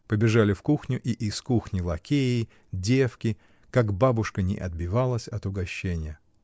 Побежали в кухню и из кухни лакеи, девки, — как бабушка ни отбивалась от угощенья!